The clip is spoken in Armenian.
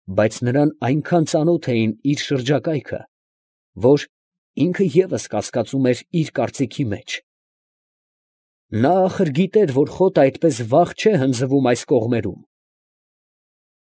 Բայց նրան այնքան ծանոթ էին իր շրջակայքը, որ ինքն ևս կասկածում էր իր կարծիքի մեջ. նա գիտեր, որ խոտը այդպես վաղ չէ հնձվում այս կողմերում։